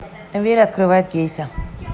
веля открывает кейсы